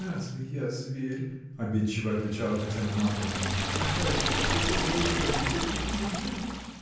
— Разве я зверь, — обидчиво отвечала Татьяна Марковна, — такая же, как эти злые родители, изверги?.